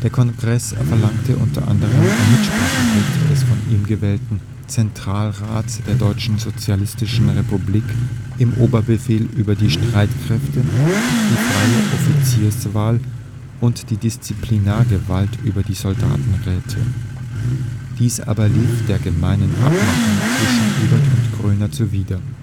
Kongress verlangte unter anderem ein Mitspracherecht des von ihm gewählten „ Zentralrats der Deutschen Sozialistischen Republik “im Oberbefehl über die Streitkräfte, die freie Offizierswahl und die Disziplinargewalt für die Soldatenräte. Dies aber lief der geheimen Abmachung zwischen Ebert und Groener zuwider